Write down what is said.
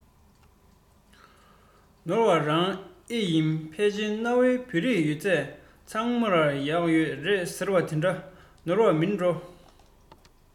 ནོར བ རང ད ཨེ ཡིན ཕལ ཆེར གནའ བོའི བོད རིགས ཡོད ས ཚང མར གཡག ཡོད རེད ཟེར བ དེ དང ནོར བ མིན འགྲོ